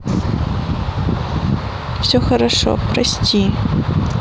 все хорошо прости